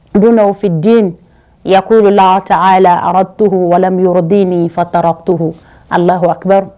Dondafiden yako de la ta a la araturu walima yɔrɔden nin fa taarara tuuru a la waru